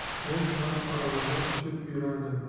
men ham aravadan tushib yurardim